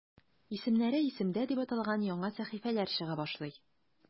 "исемнәре – исемдә" дип аталган яңа сәхифәләр чыга башлый.